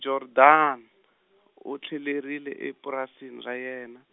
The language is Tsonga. Jordaan, u tlhelerile epurasini ra yena.